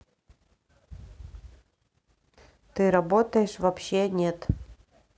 ты работаешь вообще нет